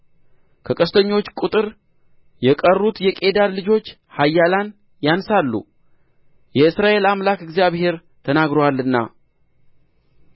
ከቀስተኞች ቍጥር የቀሩት የቄዳር ልጆች ኃያላን ያንሳሉ የእስራኤል አምላክ እግዚአብሔር ተናግሮአልና